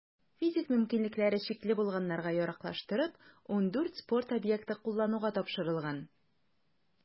Физик мөмкинлекләре чикле булганнарга яраклаштырып, 14 спорт объекты куллануга тапшырылган.